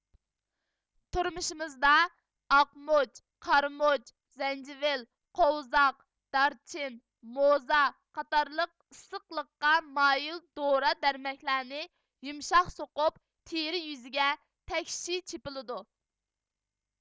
تۇرمۇشىمىزدا ئاقمۇچ قارىمۇچ زەنجىۋىل قوۋزاق دارچىن موزا قاتارلىق ئىسسىقلىققا مايىل دورا دەرمەكلەرنى يۇمشاق سوقۇپ تېرە يۈزىگە تەكشى چېپىلىدۇ